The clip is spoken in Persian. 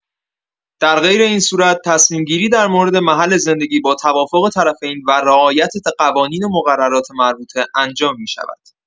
در غیر این‌صورت، تصمیم‌گیری در مورد محل زندگی با توافق طرفین و رعایت قوانین و مقررات مربوطه انجام می‌شود.